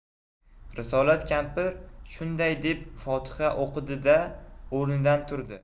risolat kampir shunday deb fotiha o'qidi da o'rnidan turdi